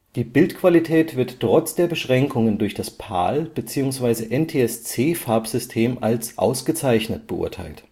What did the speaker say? Die Bildqualität wird trotz der Beschränkungen durch das PAL - beziehungsweise NTSC-Farbsystem als ausgezeichnet beurteilt